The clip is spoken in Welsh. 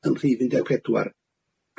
Yn rhif un deg pedwar.